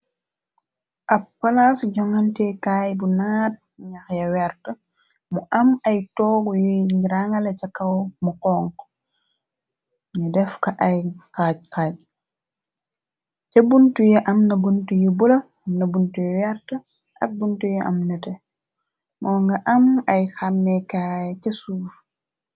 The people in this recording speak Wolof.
Ab palaas jonganteekaay bu naat njaxe wert mu am ay toogu yuy rangala ca kaw mu konk nu def ko ay xaajxaaj te buntu yu amna bunt yu bula amna bunt yu wert ak bunt yu am nete moo nga am ay xarmeekaay ca suuf.